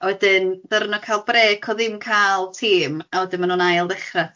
A wedyn ddaru nhw cael brêc o ddim cael tîm a wedyn maen nhw'n ail ddechra tîm ŵan.